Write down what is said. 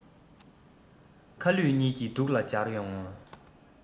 ཁ ལུས གཉིས ཀྱིས སྡུག ལ སྦྱར ཡོང ངོ